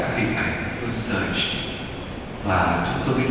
xợt và